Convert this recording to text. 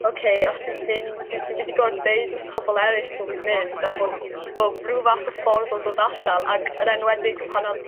ok, os dwi'n mynd dwi dwi mynd i gor'o' deud w'th pobol eryll bo' fi'n mynd a bo' nw ma' ryw fath y ffordd o dod allan, ac yn enwedig pan odd